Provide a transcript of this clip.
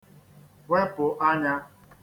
wepụ̀ anyā